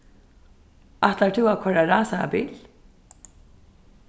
ætlar tú at koyra rasarabil